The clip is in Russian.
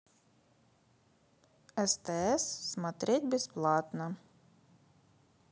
стс смотреть бесплатно